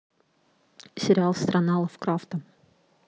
сериал страна лавкрафта